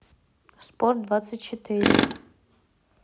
спорт двадцать четыре